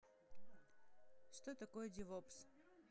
что такое девопс